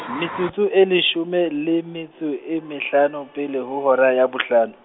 metsotso e leshome le metso e mehlano pele ho hora ya bohlano.